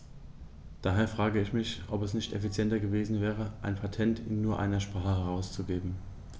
Daher frage ich mich, ob es nicht effizienter gewesen wäre, ein Patent in nur einer Sprache herauszugeben.